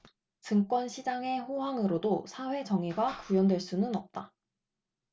증권 시장의 호황으로도 사회 정의가 구현될 수는 없다